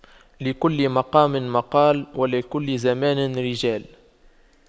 لكل مقام مقال ولكل زمان رجال